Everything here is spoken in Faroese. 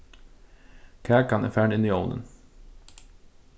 kakan er farin inn í ovnin